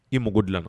I mako dilan na